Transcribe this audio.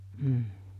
mm